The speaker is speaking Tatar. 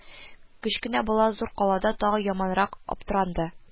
Кечкенә бала зур калада тагы яманрак аптыранды